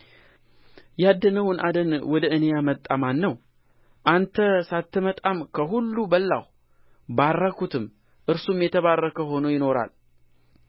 ያደነውን አደን ወደ እኔ ያመጣ ማን ነው አንተ ሳትመጣም ከሁሉ በላሁ ባረክሁትም እርሱም የተባረከ ሆኖ ይኖራል